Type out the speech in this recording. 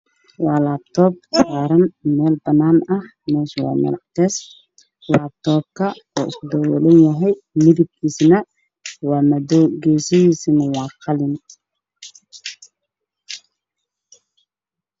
Waa laabto oo saran meel banaan meesho waa meel cadees laabtoka wuu isku dabuulan yhy midibkisa neh waa madow geesihisa neh waa qalin